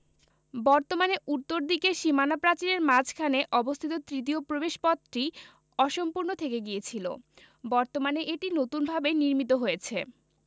বর্তমানে উত্তর দিকের সীমানা প্রাচীরের মাঝখানে অবস্থিত তৃতীয় প্রবেশপথটি অসম্পূর্ণ থেকে গিয়েছিল বর্তমানে এটি নতুনভাবে নির্মিত হয়েছে